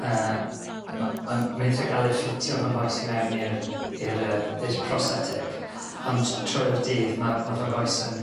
yy yy m- ma'n ma' itha galed ffitio fy nghoes i mewn i'r i'r yy i'r prosetic ond trwy'r dydd ma' ma' fy nghoes yn